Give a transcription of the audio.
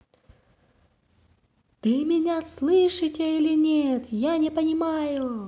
вы меня слышите или нет я не понимаю